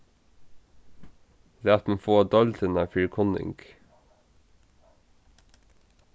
lat meg fáa deildina fyri kunning